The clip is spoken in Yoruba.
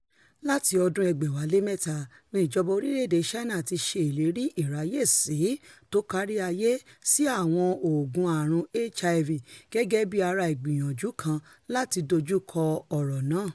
Láti ọdún 2003, ni ìjọba orílẹ̀-èdè Ṣáínà ti ṣè ìlérí ìráyèsí tókáríayé sí àwọn òògùn ààrun HIV gẹ́gẹ́bí ara ìgbìyànjú kan láti dójukọ ọ̀rọ̀ náà.